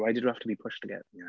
Why did we have to be pushed together?